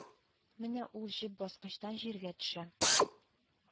Менә ул җеп баскычтан җиргә төшә